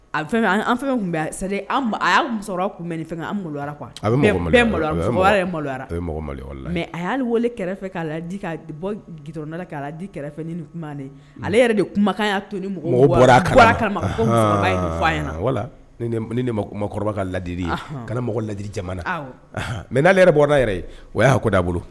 A fɛn tun a y'a musokɔrɔba kun nin fɛn an malo malo malo mɛ a y'ale wale kɛrɛfɛ k'a la bɔ la k'a la di kɛrɛfɛ ale de kumakan' to ni a wala makokɔrɔbaba ka ladi kana mɔgɔ ladi jamana mɛ n'ale yɛrɛ bɔrada yɛrɛ ye o y'a ko'a bolo